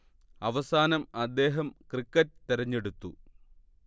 അവസാനം അദ്ദേഹം ക്രിക്കറ്റ് തെരെഞ്ഞെടുത്തു